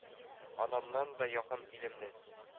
Анамнан да якын илемне.